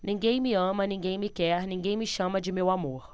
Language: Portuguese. ninguém me ama ninguém me quer ninguém me chama de meu amor